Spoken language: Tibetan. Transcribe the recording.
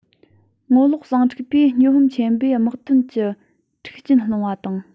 འབྲེལ ངོ ལོག ཟིང འཁྲུག པས སྨྱོ ཧམ ཆེན པོས དམག དོན གྱི འཁྲུག རྐྱེན སློང བ དང